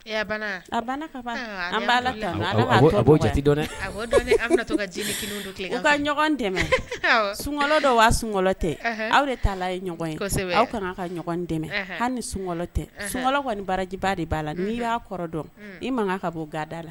A b'a la ka sunlɔ dɔ' sunlɔ tɛ aw de t'a la ye ɲɔgɔn ye aw ka kan ka ɲɔgɔn dɛmɛ hali ni sunkɔlɔ tɛ sun kɔni baraji de b'a la n'i y'a kɔrɔ dɔn i man kan ka bɔ gada la